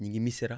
ñu ngi Misira